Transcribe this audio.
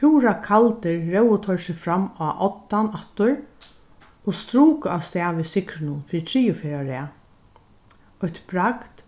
púra kaldir róðu teir seg fram á oddan aftur og struku avstað við sigrinum fyri triðju ferð á rað eitt bragd